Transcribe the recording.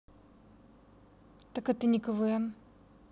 так это не квн